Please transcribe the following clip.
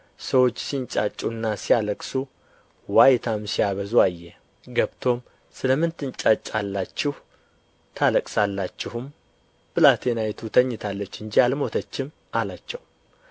ሰዎች ሲንጫጩና ሲያለቅሱ ዋይታም ሲያበዙ አየ ገብቶም ስለ ምን ትንጫጫላችሁ ታለቅሳላችሁም ብላቴናይቱ ተኝታለች እንጂ አልሞተችም አላቸው